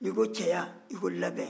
n'i ko cɛya i ko labɛn